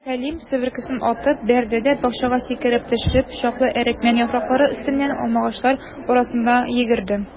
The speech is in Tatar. Хәлим, себеркесен атып бәрде дә, бакчага сикереп төшеп, чыклы әрекмән яфраклары өстеннән алмагачлар арасына йөгерде.